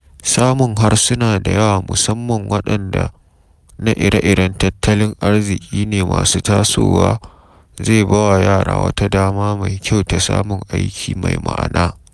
Samun harsuna da yawa, musamman waɗanda na ire-iren tattalin arziki ne masu tasowa, zai ba wa yara wata dama mai kyau ta samun aiki mai ma’ana.